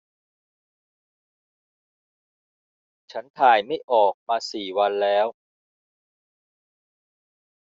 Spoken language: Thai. ฉันถ่ายไม่ออกมาสี่วันแล้ว